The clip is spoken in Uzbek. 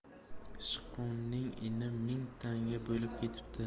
sichqonning ini ming tanga bo'lib ketibdi